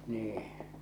niin